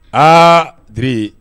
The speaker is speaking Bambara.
Aa d